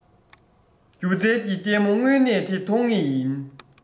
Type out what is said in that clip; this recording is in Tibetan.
སྒྱུ རྩལ གྱི ལྟད མོ དངོས གནས དེ མཐོང ངེས ཡིན